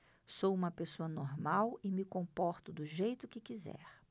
sou homossexual e me comporto do jeito que quiser